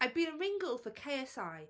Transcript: I've been a ring girl for KSI.